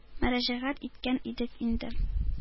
Мөрәҗәгать иткән идек инде.